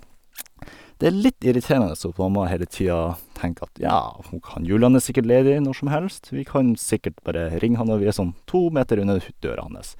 Det er litt irriterende at mamma hele tida tenker at, ja, hun kan Julian er sikkert ledig når som helst, vi kan sikkert bare ringe han når vi er sånn to meter unna hu døra hans.